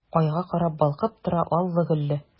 Айга карап балкып тора аллы-гөлле!